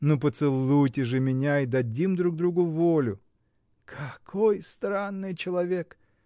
Ну, поцелуйте же меня, и дадим друг другу волю. — Какой странный человек!